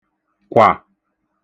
kwà